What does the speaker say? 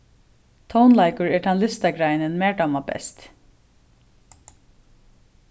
tónleikur er tann listagreinin mær dámar best